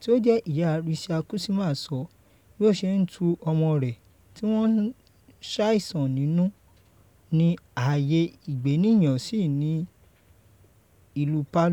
tí ó jẹ́ ìyá Risa Kusuma sọ bí ó ṣe ń tu ọmọ rẹ̀ tí wọ́n ń ṣàìsàn nínú ní àyè ìgbénìyàn sí ní ìlú Palu.